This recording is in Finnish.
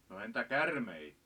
no entä käärmeitä